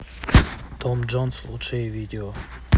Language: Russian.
том джонс лучшие видео